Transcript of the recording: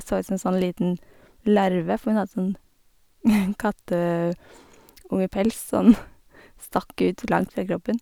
Så ut som en sånn liten larve, for hun hadde sånn katteungepels sånn stakk ut langt fra kroppen.